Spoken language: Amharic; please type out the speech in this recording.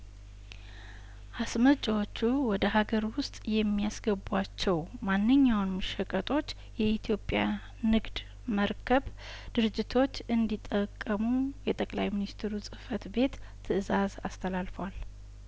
አስመጪዎቹ ወደ ሀገር ውስጥ የሚያስገቧቸው ማንኛውንም ሸቀጦች የኢትዮጵያ ንግድ መርከብ ድርጅቶች እንዲ ጠቀሙ የጠቅላይ ሚኒስትሩ ጽፈት ቤት ትእዛዝ አስተላልፏል